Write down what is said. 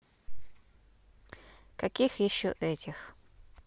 каких еще этих